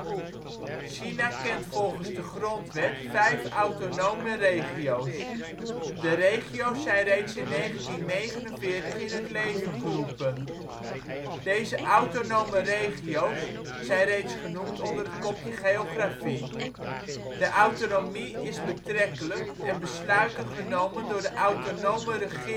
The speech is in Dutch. China kent volgens de grondwet 5 Autonome Regio 's. De regio 's zijn reeds in 1949 in het leven geroepen. Deze Autonome Regio 's zijn reeds genoemd onder het kopje " Geografie ". De autonomie is betrekkelijk en besluiten genomen door de autonome regeringen